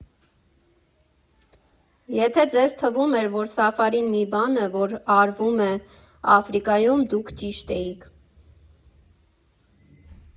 Եթե ձեզ թվում էր, որ սաֆարին մի բան է, որ արվում է Աֆրիկայում, դուք ճիշտ էիք։